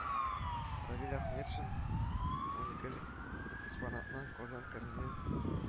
Равил Әхмәтшин, уникаль экспонатны “Казан Кремле”